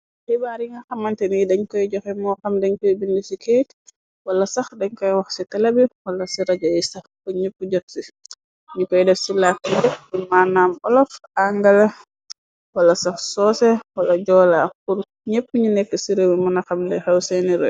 Xibaar yi nga xamante n dañ koy joxe moo xam dañ koy bind ci kayt, Wala sax dañ koy wax ci telabi wala ci raja yi sax bu ñepp jot ci ñi koy def ci làkki dekk bi. Manaam olaf angale wala sax soose wala joolaa. Pur ñepp ñu nekk ci rëwi mëna xamli xew seeni rew.